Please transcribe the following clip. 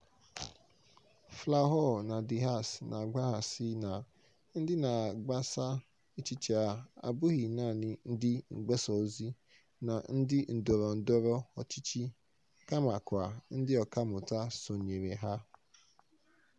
"Flahaux na De Haas na-agbaghasị na ndị na-agbasa echiche a abụghị naanị ndị mgbasaozi na ndị ndọrọndọrọ ọchịchị kamakwa ndị ọkàmmụta sonyere ha.